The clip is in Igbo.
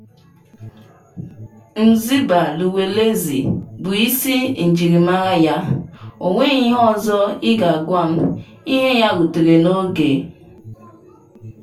# Mzimba Luwelezi bụ isi njiri mara ya - O nweghi ihe ọzọ ị ga-agwa m.ihe ya rutere n'oge